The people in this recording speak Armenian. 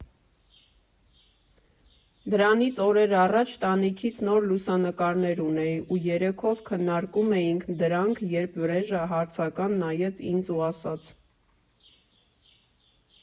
Դրանից օրեր առաջ տանիքից նոր լուսանկարներ ունեի ու երեքով քննարկում էինք դրանք, երբ Վրեժը հարցական նայեց ինձ ու ասաց.